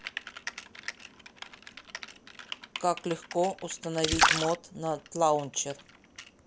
как легко установить мод на тлаунчер